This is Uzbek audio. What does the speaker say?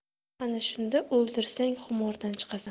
ana shunda o'ldirsang xumordan chiqasan